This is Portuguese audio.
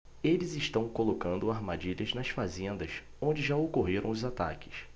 eles estão colocando armadilhas nas fazendas onde já ocorreram os ataques